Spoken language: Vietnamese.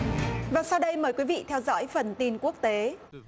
và sau đây mời quý vị theo dõi phần tin quốc tế